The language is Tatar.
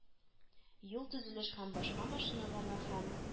Юл-төзелеш һәм башка машиналарга һәм